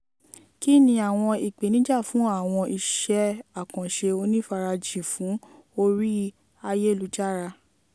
Kínni àwọn ìpènijà fún àwọn iṣẹ́-àkànṣe onífarajìnfún orí ayélujára?